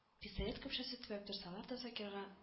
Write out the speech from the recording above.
Пистолет көпшәсе төбәп торсалар да закирга